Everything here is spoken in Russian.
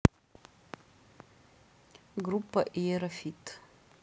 группа иерофит